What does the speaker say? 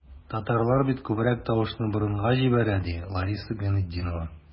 Татарлар бит күбрәк тавышны борынга җибәрә, ди Лариса Гайнетдинова.